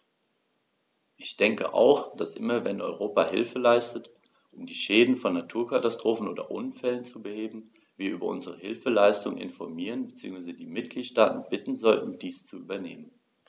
Ich denke auch, dass immer wenn Europa Hilfe leistet, um die Schäden von Naturkatastrophen oder Unfällen zu beheben, wir über unsere Hilfsleistungen informieren bzw. die Mitgliedstaaten bitten sollten, dies zu übernehmen.